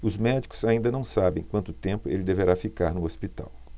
os médicos ainda não sabem quanto tempo ele deverá ficar no hospital